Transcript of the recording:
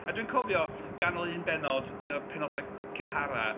A dwi'n cofio ganol un bennod, un o'r penodau cynhara.